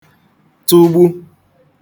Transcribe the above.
tụgbu